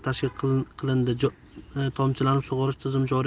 tashkil qilindi tomchilatib sug'orish tizimi joriy etildi